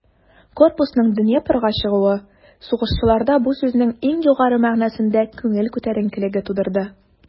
Корпусның Днепрга чыгуы сугышчыларда бу сүзнең иң югары мәгънәсендә күңел күтәренкелеге тудырды.